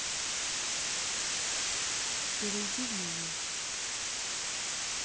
перейди в меню